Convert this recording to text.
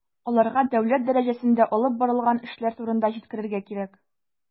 Аларга дәүләт дәрәҗәсендә алып барылган эшләр турында җиткерергә кирәк.